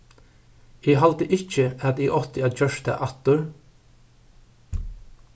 eg haldi ikki at eg átti at gjørt tað aftur